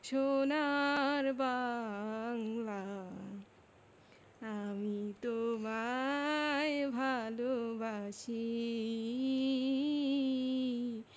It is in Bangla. সোনার বাংলা আমি তোমায় ভালোবাসি